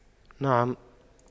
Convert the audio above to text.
نعم